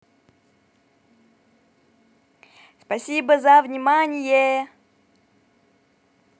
спасибо за внимание